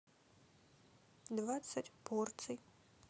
двадцать порций